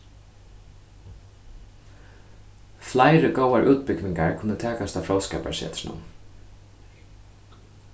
fleiri góðar útbúgvingar kunnu takast á fróðskaparsetrinum